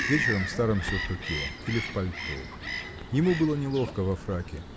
вечером в старом сюртуке или в пальто. Ему было неловко во фраке.